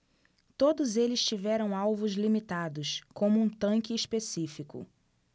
todos eles tiveram alvos limitados como um tanque específico